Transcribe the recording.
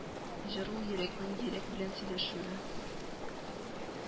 Җыр ул йөрәкнең йөрәк белән сөйләшүе